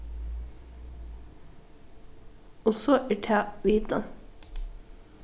og so er tað vitan